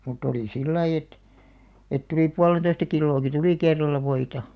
mutta oli sillä lailla että että tuli puolentoista kiloakin tuli kerralla voita